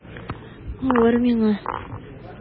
Авыр миңа...